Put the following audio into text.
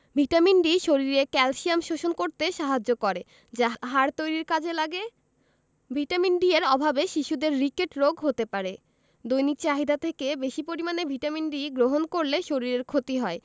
vitamin D শরীরে calcium শোষণ করতে সাহায্য করে যা হাড় তৈরীর কাজে লাগে ভিটামিন D এর অভাবে শিশুদের রিকেট রোগ হতে পারে দৈনিক চাহিদা থেকে বেশী পরিমাণে ভিটামিন D গ্রহণ করলে শরীরের ক্ষতি হয়